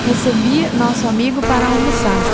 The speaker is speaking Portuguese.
recebi nosso amigo para almoçar